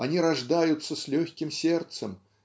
они рождаются с легким сердцем